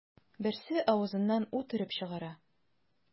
Берсе авызыннан ут өреп чыгара.